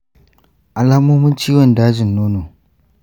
alamomin ciwon dajin nono